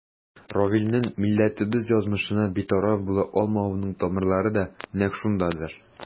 Равилнең милләтебез язмышына битараф була алмавының тамырлары да нәкъ шундадыр.